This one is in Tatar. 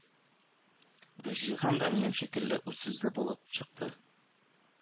Гөлҗиһан да минем шикелле үзсүзле булып чыкты.